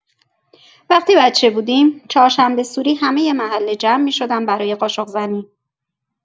وقتی بچه بودیم، چهارشنبه‌سوری همه محله جمع می‌شدن برای قاشق‌زنی.